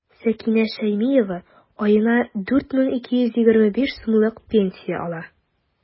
Сәкинә Шәймиева аена 4 мең 225 сумлык пенсия ала.